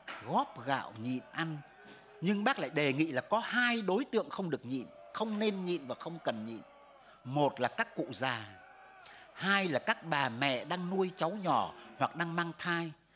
góp gạo nhịn ăn nhưng bác lại đề nghị là có hai đối tượng không được nhịn không nên nhịn và không cần nhịn một là các cụ già hai là các bà mẹ đang nuôi cháu nhỏ hoặc đang mang thai